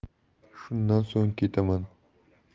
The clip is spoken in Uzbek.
shundan so'ng ketaman